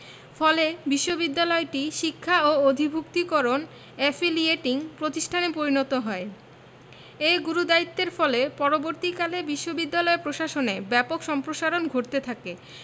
ফলে বিশ্ববিদ্যালয়টি শিক্ষা ও অধিভূক্তিকরণ এফিলিয়েটিং প্রতিষ্ঠানে পরিণত হয় এ গুরুদায়িত্বের ফলে পরবর্তীকালে বিশ্ববিদ্যালয় প্রশাসনে ব্যাপক সম্প্রসারণ ঘটতে থাকে